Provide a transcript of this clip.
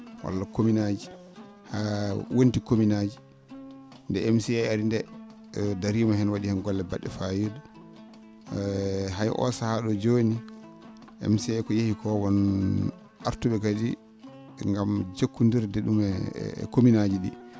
walla commune aji haa wonti commune aji nde MC ari ndee dariima heen wa?i heen golle mba??e fayida hay oo sahaa ?oo jooni MC ko yehi koo won artu?e ngam jokkonndirde ?um e commune ?aaji ?ii